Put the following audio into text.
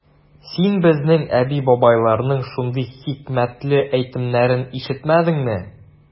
Син безнең әби-бабайларның шундый хикмәтле әйтемнәрен ишетмәдеңме?